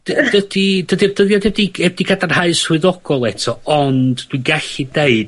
Dy- dydi dydi'r dyddiada di- yy 'di gadarnhau swyddogol eto ond dwi'n gallu deud